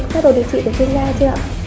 phác đồ điều trị của chuyên gia chưa